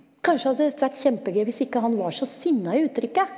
kanskje hadde dette vært kjempegøy hvis ikke han var så sinna i uttrykket?